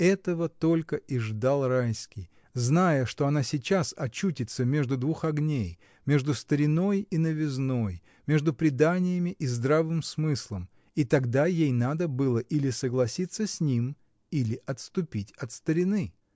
Этого только и ждал Райский, зная, что она сейчас очутится между двух огней: между стариной и новизной, между преданиями и здравым смыслом — и тогда ей надо было или согласиться с ним, или отступить от старины.